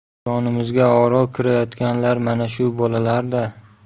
jonimizga ora kirayotganlar mana shu bolalarda